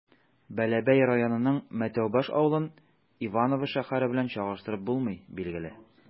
Бәләбәй районының Мәтәүбаш авылын Иваново шәһәре белән чагыштырып булмый, билгеле.